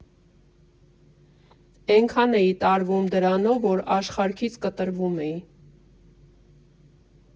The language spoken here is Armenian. Էնքան էի տարվում դրանով, որ աշխարհքից կտրվում էի։